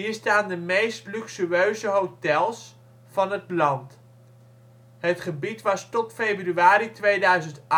staan de meest luxueuze hotels van het land. Het gebied was tot februari 2008 afgesloten